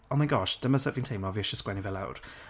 oh my gosh, dyma sut fi'n teimlo a fi isie 'sgwennu fe lawr.